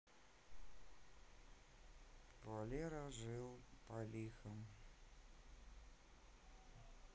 валера жил полихом